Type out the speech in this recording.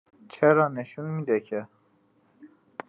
چرا نشون می‌ده که